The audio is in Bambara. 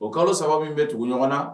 O kalo saba min bɛ tugu ɲɔgɔn na